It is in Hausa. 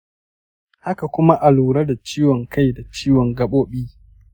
haka kuma a lura da ciwon kai da ciwon gabobi.